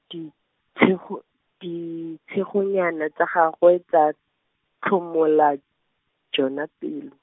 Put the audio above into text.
ditshego, ditshegonyana tsa gagwe tsa, tlhomola, Jona pelo.